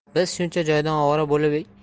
biz shuncha joydan ovora bo'lib